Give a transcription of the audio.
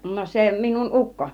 no se minun ukko